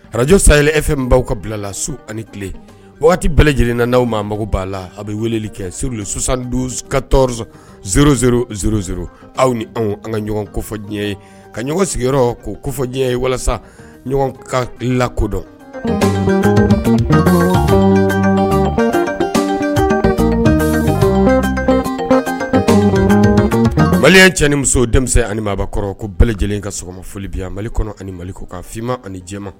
Ararakajo say ef baw ka bilala su ani tile waati bɛɛ lajɛlen na n'aw maa mago b'a la a bɛ weleli kɛ sur susan ka tɔwz sz s aw ni an ka ɲɔgɔn kofɔn ye ka ɲɔgɔn sigiyɔrɔ ko kofɔ diɲɛ ye walasa ɲɔgɔn ka lakodɔn mali cɛ ni muso denmisɛnnin anibaakɔrɔ ko bɛɛ lajɛlen ka sɔgɔma foli bi yan mali kɔnɔ ani mali ko ka fɔima ani ni jɛma